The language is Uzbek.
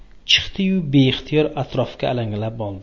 chiqdi yu beixtiyor atrofga alanglab oldi